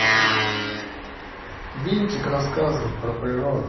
винтик рассказывает про природу